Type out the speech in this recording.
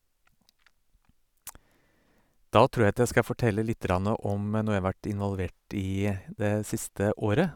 Da tror jeg at jeg skal fortelle lite grann om noe jeg har vært involvert i det siste året.